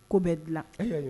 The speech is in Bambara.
Kun bɛ dilan,